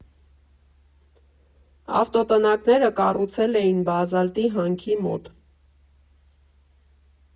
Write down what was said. Ավտոտնակները կառուցել էին բազալտի հանքի մոտ։